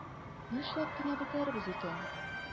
Нишләп кенә бетәрбез икән?